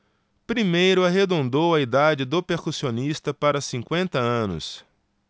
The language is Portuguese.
primeiro arredondou a idade do percussionista para cinquenta anos